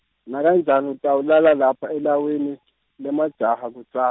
nakanjani utawulala lapha elawini , lemajaha kudza-.